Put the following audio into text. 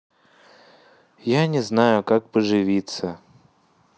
я не знаю как поживиться